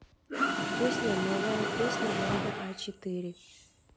песня новая песня влада а четыре